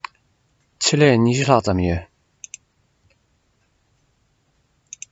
ཆེད ལས ༢༠ ལྷག ཙམ ཡོད རེད